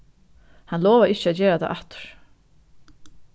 hann lovaði ikki at gera tað aftur